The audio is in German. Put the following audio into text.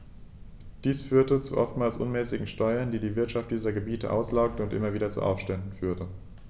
Dies führte zu oftmals unmäßigen Steuern, die die Wirtschaft dieser Gebiete auslaugte und immer wieder zu Aufständen führte.